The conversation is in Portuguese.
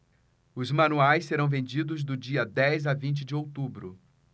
os manuais serão vendidos do dia dez a vinte de outubro